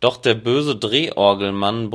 Doch der böse Drehorgelmann